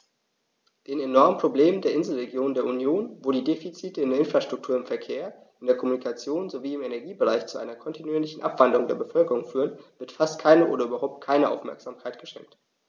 Den enormen Problemen der Inselregionen der Union, wo die Defizite in der Infrastruktur, im Verkehr, in der Kommunikation sowie im Energiebereich zu einer kontinuierlichen Abwanderung der Bevölkerung führen, wird fast keine oder überhaupt keine Aufmerksamkeit geschenkt.